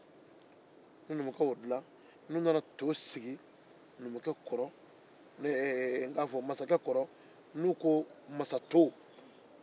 u bɛ na masato sigi masake kɔrɔ